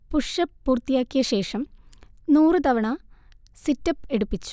push up പൂർത്തിയാക്കിയ ശേഷം നൂറു തവണ സിറ്റ്അപ് എടുപ്പിച്ചു